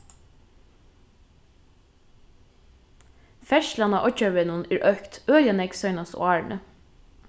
ferðslan á oyggjarvegnum er økt øgiliga nógv seinastu árini